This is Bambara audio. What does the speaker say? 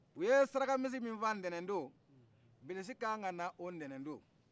u ye sarakamisi min faa tɛnɛn don bilisi kan ka na o tɛnɛn don